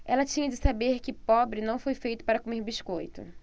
ela tinha de saber que pobre não foi feito para comer biscoito